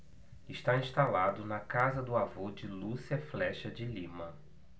está instalado na casa do avô de lúcia flexa de lima